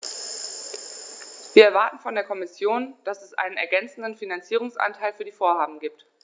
Wir erwarten von der Kommission, dass es einen ergänzenden Finanzierungsanteil für die Vorhaben gibt.